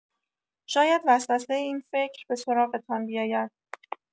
شاید وسوسه این فکر به سراغتان بیاید.